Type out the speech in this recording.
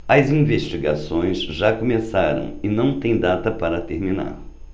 as investigações já começaram e não têm data para terminar